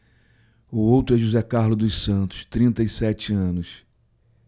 o outro é josé carlos dos santos trinta e sete anos